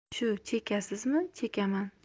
shu chekasizmi chekaman